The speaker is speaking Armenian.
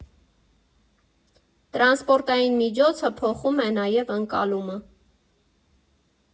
Տրանսպորտային միջոցը փոխում է նաև ընկալումը։